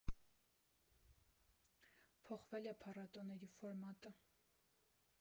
«Փոխվել է փառատոների ֆորմատը։